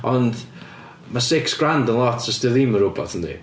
Ond ma' six grand yn lot os 'di o'm yn robot yndi.